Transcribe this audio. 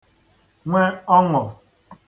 nwe ọṅụ